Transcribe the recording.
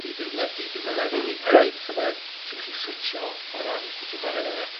i dele- i dy deledu di hefyd... Reit. ...so ma' yn ti'n gallu switsio o ran sut ti'n chware 'da fe.